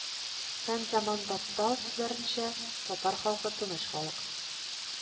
Фәнзаман Баттал сүзләренчә, татар халкы тыныч халык